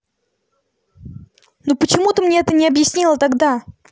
ну почему ты мне это не объяснила тогда